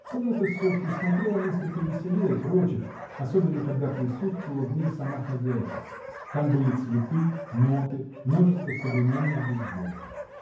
Комната Софьи смотрела несколько веселее прочих, особенно когда присутствовала в ней сама хозяйка: там были цветы, ноты, множество современных безделок.